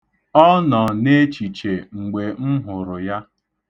Ọ nọ n'echiche mgbe m hụrụ ya.